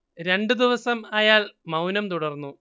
രണ്ടു ദിവസം അയാൾ മൌനം തുടർന്നു